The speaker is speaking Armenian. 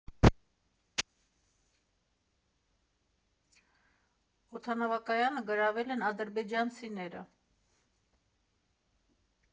Օդանավակայանը գրավել են ադրբեջանցիները։